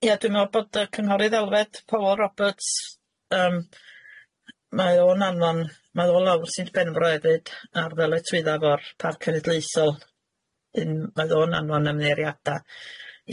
Ie dwi'n me'wl bod yy cynghorydd Elfed Powel Roberts yym mae o'n anfon mae o lawr yn Sir Benfro efyd ar ddyletswydda o'r parc cenedlaethol un mae o'n anfon ymddiheiriada.